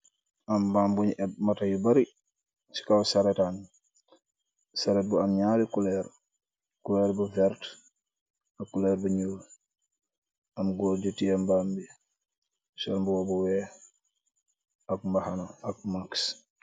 App mbam bu eeb mata yu bari si kaw serettam bi seret bu aam naari colur colur bu vertah ak colur bu nuul aam goor bu tiyeh mbam bi sool mbuba bu weex ak mbaxana ak mask.